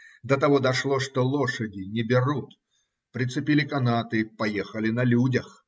До того дошло, что лошади не берут; прицепили канаты, поехали на людях.